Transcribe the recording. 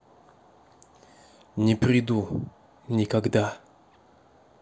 не приду никогда